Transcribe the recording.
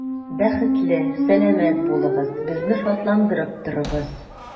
Бәхетле, сәламәт булыгыз, безне шатландырып торыгыз.